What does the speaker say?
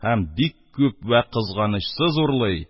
Һәм бик күп вә бик кызганычсыз урлый,